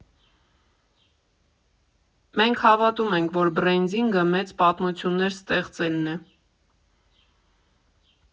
Մենք հավատում ենք, որ բրենդինգը մեծ պատմություններ ստեղծելն է։